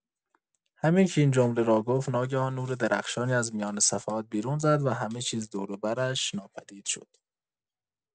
همین که این جمله را گفت، ناگهان نور درخشانی از میان صفحات بیرون زد و همه‌چیز دور و برش ناپدید شد.